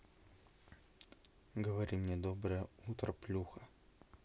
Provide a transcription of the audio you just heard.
говори мне доброе утро плюха